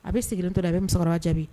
A bɛ sigilen to la a bɛ musokɔrɔba jaabi